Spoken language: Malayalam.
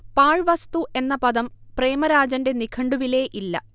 പാഴ്വസ്തു എന്ന പദം പ്രേമരാജന്റെ നിഘണ്ടുവിലേ ഇല്ല